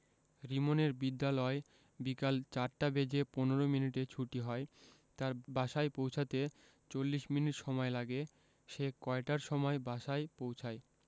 রিমনের বিদ্যালয় বিকাল ৪ টা বেজে ১৫ মিনিটে ছুটি হয় তার বাসায় পৌছাতে ৪০ মিনিট সময়লাগে সে কয়টার সময় বাসায় পৌছায়